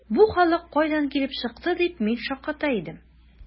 “бу халык кайдан килеп чыкты”, дип мин шакката идем.